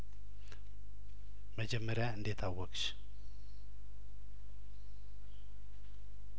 መጀመሪያ እንዴት አወቅሽ